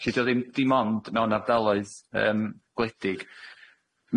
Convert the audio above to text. Lly 'di o ddim dim ond mewn ardaloedd yym gwledig.